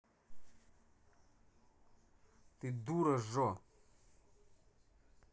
ты дура жо